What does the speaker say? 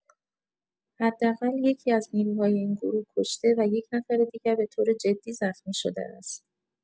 حداقل یکی‌از نیروهای این گروه کشته و یک نفر دیگر به‌طور جدی زخمی شده است.